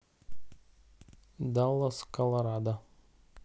даллас колорадо